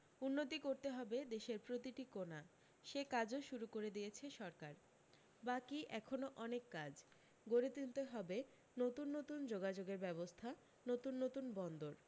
উন্নতি করতে হবে দেশের প্রতিটি কোণা সে কাজও শুরু করে দিয়েছে সরকার বাকী এখনও অনেক কাজ গড়ে তুলতে হবে নতুন নতুন যোগাযোগের ব্যবস্থা নতুন নতুন বন্দর